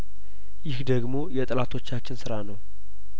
ይህ ደግሞ የጠላቶቻችን ስራ ነው